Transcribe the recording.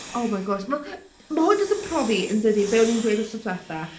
Oh my gosh. Ma- mae hwn jyst yn profi, yn dydi, be o'n i'n dweud wythnos diwetha.